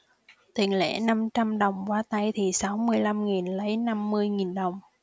tiền lẻ năm trăm đồng qua tay thì sáu mươi lăm nghìn lấy năm mươi nghìn đồng